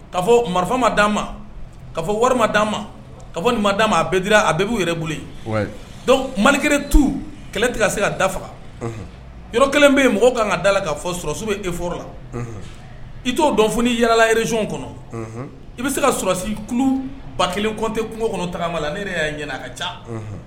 Ka fɔ marifama d'a ma ka fɔ wari da ma ka nin ma d' a bɛ dira a bɛɛ b'u yɛrɛ boloc malikɛre tu kɛlɛ tɛ se ka dafa faga yɔrɔ kelen bɛ yen mɔgɔ ka kan ka da la k kaa fɔ sɔsiw bɛ e foro la i t'o dɔnf yɛlɛlareson kɔnɔ i bɛ se ka sɔrɔsi kulu ba kelen kɔnte kungo kɔnɔtaama la ne yɛrɛ y'a ɲɛna a ka ca